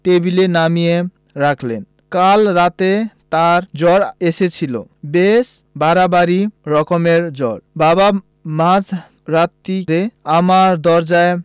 টেবিলে নামিয়ে রাখলেন কাল রাতে তার জ্বর এসেছিল বেশ বাড়াবাড়ি রকমের জ্বর বাবা মাঝ রাত্তিরে আমার দরজায়